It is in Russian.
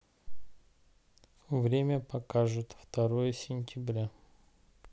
время покажет второе сентября